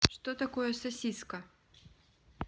что такое сосиска